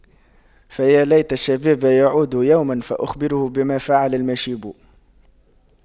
فيا ليت الشباب يعود يوما فأخبره بما فعل المشيب